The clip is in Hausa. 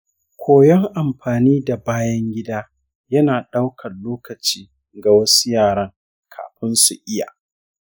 koyon amfani da bayan gida yana daukan lokaci ga wasu yaran kafun su iya.